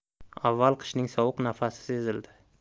avval qishning sovuq nafasi sezildi